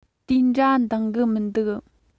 དེ འདྲ འདང གི མི འདུག